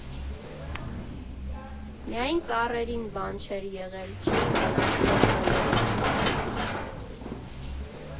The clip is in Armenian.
Միայն ծառերին բան չէր եղել՝ չէին վնասվել բոլորովին։